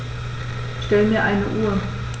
Stell mir eine Uhr.